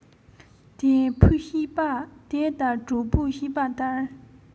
དེ ཕོས བཤད པ དེ ལྟར གྲོགས པོས བཤད པ ལྟར